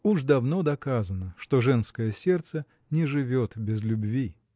Уж давно доказано, что женское сердце не живет без любви.